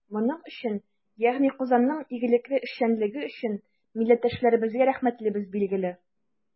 Моның өчен, ягъни Казанның игелекле эшчәнлеге өчен, милләттәшләребезгә рәхмәтлебез, билгеле.